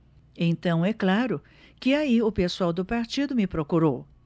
então é claro que aí o pessoal do partido me procurou